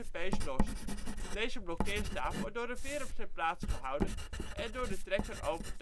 pees lost. Deze blokkeerstaaf wordt door een veer op zijn plaats gehouden en door de trekker over